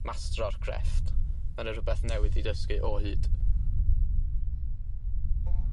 mastero'r crefft. Ma' 'na rwbeth newydd i dysgu o hyd.